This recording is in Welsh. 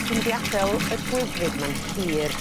Dwi mynd i ad'el yr gwyddfyd 'ma'n hir